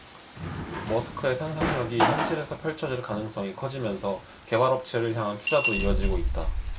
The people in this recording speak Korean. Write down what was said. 머스크의 상상력이 현실에서 펼쳐질 가능성이 커지면서 개발업체를 향한 투자도 이어지고 있다